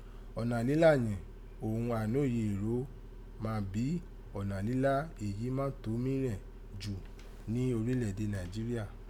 Ọnà lílá yẹ̀n òghun àìnoye èrò mà bí ọ̀nà lílá èyí mátò mí rẹ̀n jù norílẹ̀èdè Naijiria.